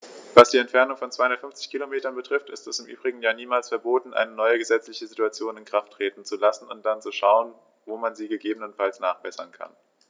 Was die Entfernung von 250 Kilometern betrifft, ist es im Übrigen ja niemals verboten, eine neue gesetzliche Situation in Kraft treten zu lassen und dann zu schauen, wo man sie gegebenenfalls nachbessern kann.